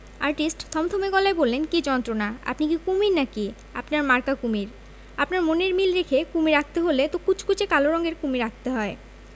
artist থমথমে গলায় বললেন কি যন্ত্রণা আপনি কি কুমীর না কি আপনার মাকা কুমীর আপনার মনের মিল রেখে কুমীর আঁকতে হলে তো কুচকুচে কাল রঙের কুমীর আঁকতে হয়